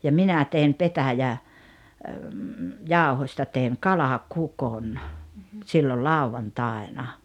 ja minä tein - petäjäjauhosta tein kalakukon silloin lauantaina